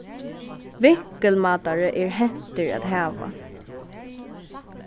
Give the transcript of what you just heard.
vinkulmátari er hentur at hava